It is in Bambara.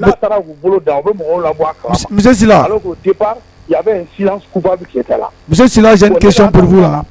n'a taara bolo la